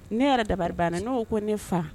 Ne yɛrɛ dabari banna ne ko ko ne fa